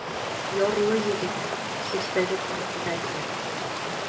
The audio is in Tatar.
Ярлы егет, сельсовет председателе.